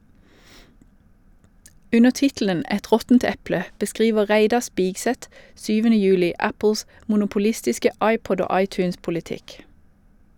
Under tittelen "Et råttent eple" beskriver Reidar Spigseth 7. juli Apples monopolistiske iPod- og iTunes-politikk.